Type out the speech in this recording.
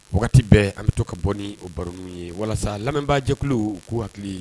Wagati bɛɛ an bɛ to ka bɔ ni o baro ye walasa lamɛnbaajɛkuluu waati ye